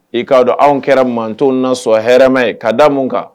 I k'a don anw kɛra man na sɔn hɛrɛma ye ka da mun kan?